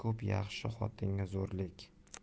ko'p yaxshi xotinga zo'rlik